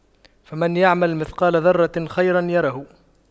فَمَن يَعمَل مِثقَالَ ذَرَّةٍ خَيرًا يَرَهُ